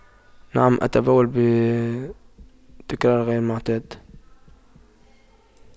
نعم أتبول بتكرار غير معتاد